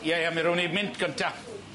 Ie ie, mi rown ni mynt gynta.